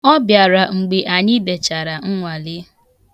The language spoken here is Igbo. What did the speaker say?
Ọ bịara mgbe anyị dechara nnwale.